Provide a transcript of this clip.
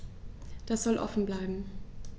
Das soll offen bleiben.